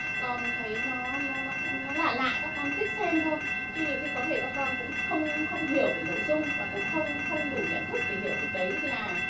con thấy nó nó nó cũng lạ lạ các con thích xem thôi tuy nhiều khi có thể các con cũng không không hiểu về nội dung và cũng không không đủ nhận thức để hiểu được đấy là